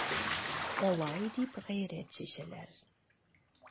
Алай дип гайрәт чәчәләр...